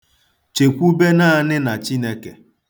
Chekwube naanị na Chineke.